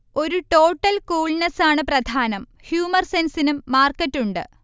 ഒരു ടോട്ടൽ കൂൾനെസ്സാണ് പ്രധാനം ഹ്യുമർെസൻസിനും മാർക്കറ്റുണ്ട്